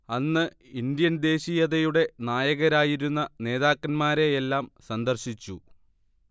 അന്ന് ഇൻഡ്യൻ ദേശീയതയുടെ നായകരായിരുന്ന നേതാക്കന്മാരെയെല്ലാം സന്ദർശിച്ചു